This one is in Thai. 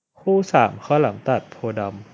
คู่สามข้าวหลามตัดโพธิ์ดำ